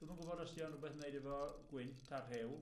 Dwi'm yn gwybod os 'di o'n rwbeth neud efo gwynt a rhew.